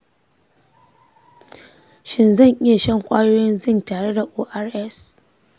shin zan iya shan ƙwayoyin zinc tare da ors?